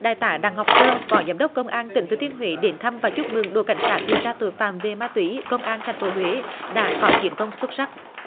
đại tá đặng ngọc sơn phó giám đốc công an tỉnh thừa thiên huế đến thăm và chúc mừng đội cảnh sát điều tra tội phạm về ma túy công an thành phố huế đã khỏi chiến công xuất sắc